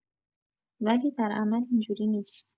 ولی در عمل اینجوری نیست